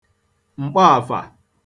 m̀kpọàfà